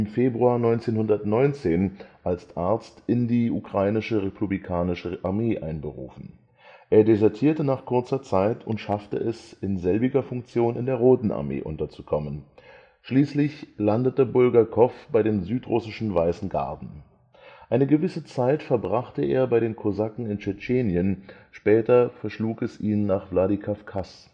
Februar 1919 als Arzt in die Ukrainische Republikanische Armee einberufen. Er desertierte nach kurzer Zeit und schaffte es, in selbiger Funktion in der Roten Armee unterzukommen. Schließlich landete Bulgakow bei den südrussischen Weißen Garden. Eine gewisse Zeit verbrachte er bei den Kosaken in Tschetschenien, später verschlug es ihn nach Wladikawkas